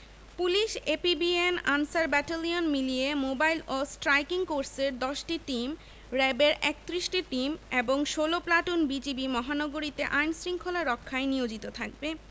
police APBN Ansar battalion মিলিয়ে mobile ও striking কোর্সের ১০টি টিম র ্যাবের ৩১টি টিম এবং ১৬ প্লাটুন বিজিবি মহানগরীতে আইন শৃঙ্খলা রক্ষায় নিয়োজিত থাকবে